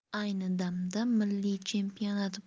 ayni damda milliy chempionat